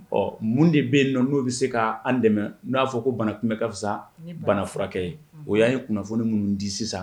Ɔ mun de bɛ yen nɔ n'o bɛ se k ka'an dɛmɛ n'a'a fɔ ko bana kun ka fisa bana furakɛ ye o y'a ye kunnafoni minnu di sisan